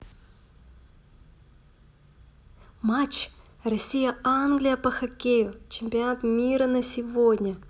матч россия англия по хоккею чемпионат мира на сегодня